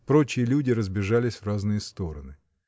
Прочие люди разбежались в разные стороны.